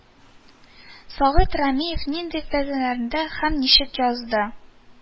«сәгыйть рәмиев нинди вәзеннәрдә һәм ничек язды»